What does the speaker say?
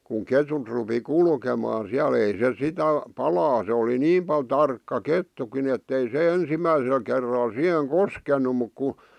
kun ketut rupesi kulkemaan siellä ei se sitä palaa se oli niin paljon tarkka kettukin että ei se ensimmäisellä kerralla siihen koskenut mutta kun